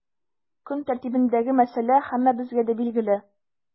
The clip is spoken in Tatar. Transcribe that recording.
Көн тәртибендәге мәсьәлә һәммәбезгә дә билгеле.